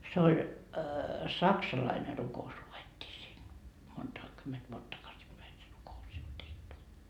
se oli saksalainen rukous luettiin siinä monta kymmentä vuotta takaisinpäin se rukous sitten tehty